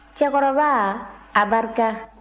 cɛkɔrɔba abarika